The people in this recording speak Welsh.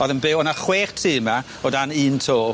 O'dd yn byw... O' 'na chwech tŷ 'ma o dan un to.